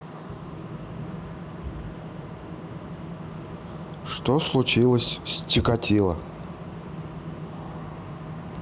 что случилось с чикатило